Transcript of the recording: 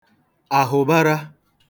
àhụ̀bara